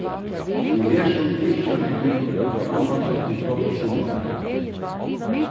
við hesum ynskja vit tykkum eitt framhaldandi gott summar